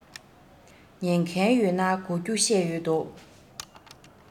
ཉན མཁན ཡོད ན གོ རྒྱུ བཤད ཡོད དོ